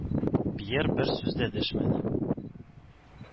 Пьер бер сүз дә дәшмәде